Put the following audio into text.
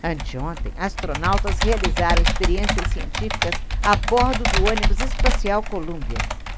anteontem astronautas realizaram experiências científicas a bordo do ônibus espacial columbia